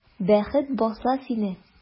Бәхет баса сине!